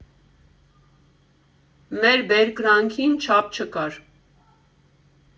Մեր բերկրանքին չափ չկար։